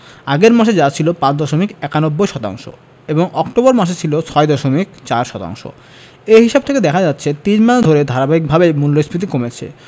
আগের মাসে যা ছিল ৫ দশমিক ৯১ শতাংশ এবং অক্টোবর মাসে ছিল ৬ দশমিক ০৪ শতাংশ এ হিসাব থেকে দেখা যাচ্ছে তিন মাস ধরে ধারাবাহিকভাবেই মূল্যস্ফীতি কমেছে